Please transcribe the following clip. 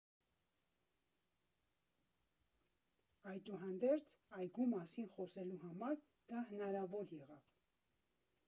Այդուհանդերձ, այգու մասին խոսելու համար դա հնարավոր եղավ։